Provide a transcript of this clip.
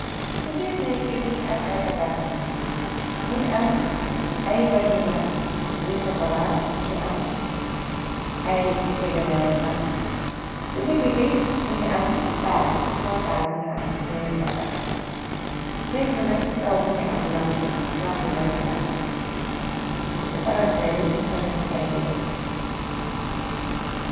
Ci biir nek bi mu ngi am ay bagaasi nèk mu ngi am ay bang yu mag yu sokala ñu ngi am ay ngegenai ay bang ci digibi bi mu ngi am tabull ci kaw tabull bi mu ngi am yenen bagaas. Nèk bi nak ci kaw mu ngi am ay lamp ñu ngi tàkk ci palanteeri ñing fa def ay rido.